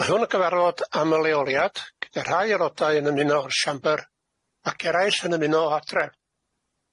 Mae hwn yn gyfarfod aml leoliad, gyda rhai arodau yn ymuno o'r siambr ac eraill yn ymuno o adre.